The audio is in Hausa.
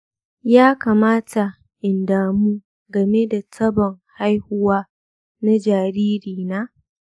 ya kamata in damu game da tabon haihuwa na jaririna?